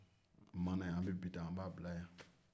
mɛ an bɛ bi ta an b'a bila yan